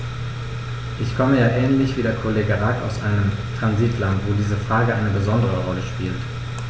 Ich komme ja ähnlich wie der Kollege Rack aus einem Transitland, wo diese Frage eine besondere Rolle spielt.